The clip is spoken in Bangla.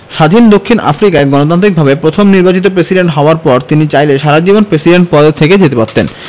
স্বাধীন দক্ষিণ আফ্রিকায় গণতান্ত্রিকভাবে প্রথম নির্বাচিত প্রেসিডেন্ট হওয়ার পর তিনি চাইলে সারা জীবন প্রেসিডেন্ট পদে থেকে যেতে পারতেন